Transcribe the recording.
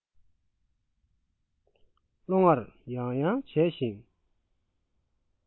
བློ བསྡུར ཡང ཡང བྱས ཤིང